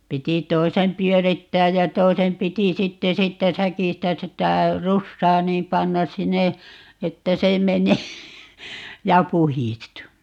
piti toisen pyörittää ja toisen piti sitten siitä säkistä sitä rusaa niin panna sinne että se menee ja puhdistuu